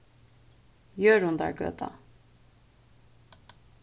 jørundargøta